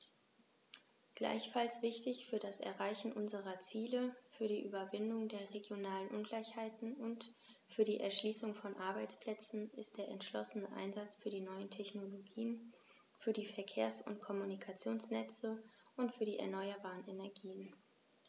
Gleichfalls wichtig für das Erreichen unserer Ziele, für die Überwindung der regionalen Ungleichheiten und für die Erschließung von Arbeitsplätzen ist der entschlossene Einsatz für die neuen Technologien, für die Verkehrs- und Kommunikationsnetze und für die erneuerbaren Energien.